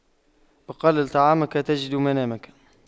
أقلل طعامك تجد منامك